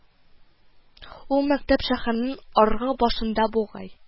Ул мәктәп шәһәрнең аргы башында бугай